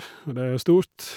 Og det er jo stort.